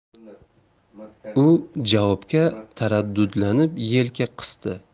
u javobga taraddudlanib yelka qisdi